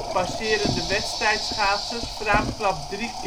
passeren de wedstrijdschaatsers Fraamklap drie